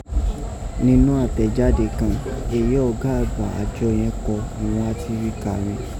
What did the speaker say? Nínọ́ àtẹ̀jáde kàn, èyí ọ̀gá àgbà àjọ yẹ̀n kọ òghun a ti ri kà rin.